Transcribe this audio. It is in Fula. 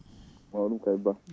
mawɗum kayi Ba